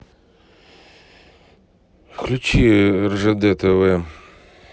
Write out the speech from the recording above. включи ржд тв